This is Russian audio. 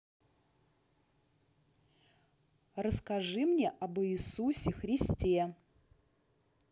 расскажи мне об иисусе христе